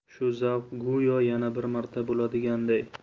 shu zavq go'yo yana bir marta bo'ladiganday